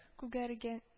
Күгәргә